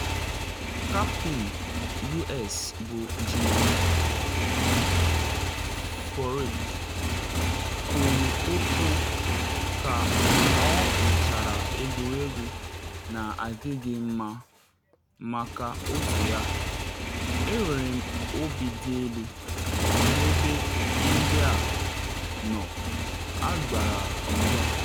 Kaptịn US bụ Jim Furyk kwuru okwu ka ọ nwechara egwuregwu na adịghị mma maka otu ya, “Enwere m obi dị elu n’ebe ndị a nọ, ha gbara mgba.